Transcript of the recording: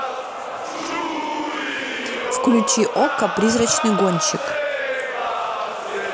включи окко призрачный гонщик